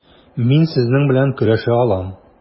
Мин сезнең белән көрәшә алам.